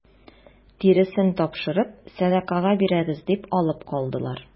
Тиресен тапшырып сәдакага бирәбез дип алып калдылар.